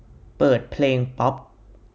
เปิดเพลงป๊อป